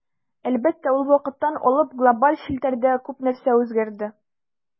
Әлбәттә, ул вакыттан алып глобаль челтәрдә күп нәрсә үзгәрде.